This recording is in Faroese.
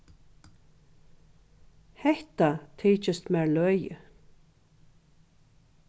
hetta tykist mær løgið